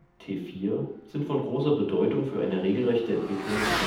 T4) sind von großer Bedeutung für eine regelgerechte Entwicklung des